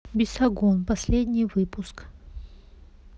бесогон последний выпуск